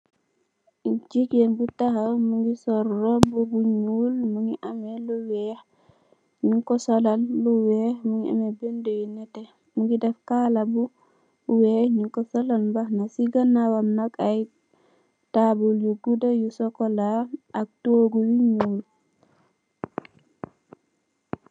Jigeen bu tahaw mungi sol robo bu n'uul mungi ameh lu weex nyu ko solal lu weex mungi ameh binda yo n'eteh mungi def kala bu weex nyu ko solal bahanan si ganaw nak ay table yo goda yo chochola ak tohu yo nuul.